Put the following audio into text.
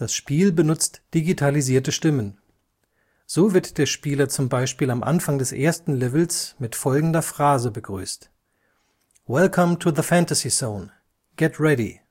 Spiel benutzt digitalisierte Stimmen. So wird der Spieler zum Beispiel am Anfang des ersten Levels mit folgender Phrase begrüßt: „ Welcome to the Fantasy Zone! Get Ready